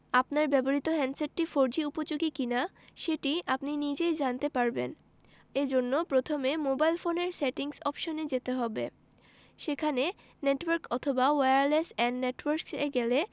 আপনার ব্যবহৃত হ্যান্ডসেটটি ফোরজি উপযোগী কিনা সেটি আপনি নিজেই জানতে পারবেন এ জন্য প্রথমে মোবাইল ফোনের সেটিংস অপশনে যেতে হবে সেখানে নেটওয়ার্ক অথবা ওয়্যারলেস অ্যান্ড নেটওয়ার্কস এ গেলে